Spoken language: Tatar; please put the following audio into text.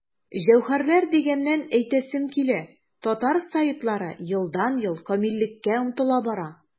Җәүһәрләр дигәннән, әйтәсем килә, татар сайтлары елдан-ел камиллеккә омтыла бара.